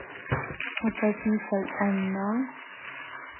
а пописал он на